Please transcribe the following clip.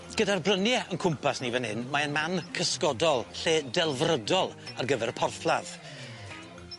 Gyda'r brynie o'n cwmpas ni myn 'yn mae e'n man cysgodol, lle delfrydol ar gyfer y porthladd.